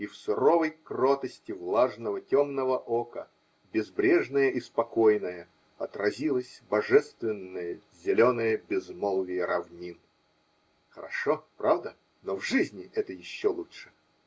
И в суровой кротости влажного, темного ока, безбрежное и спокойное, отразилось божественное зеленое безмолвие равнин". -- Хорошо, правда? Но в жизни это еще лучше.